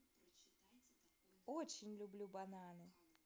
очень люблю бананы